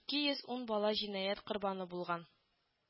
Ике йөз ун бала җинаять корбаны булган